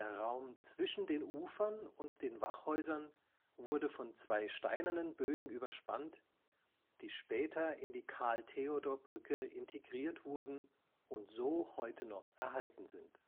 Raum zwischen den Ufern und den Wachhäusern wurde von zwei steinernen Bögen überspannt, die später in die Karl-Theodor-Brücke integriert wurden und so heute noch erhalten sind